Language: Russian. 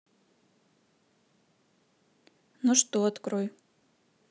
ну что открой